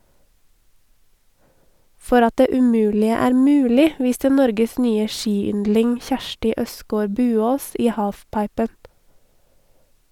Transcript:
For at det umulige er mulig viste Norges nye skiyndling Kjersti Østgaard Buaas i halfpipen.